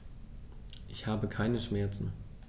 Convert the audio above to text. Ich habe keine Schmerzen.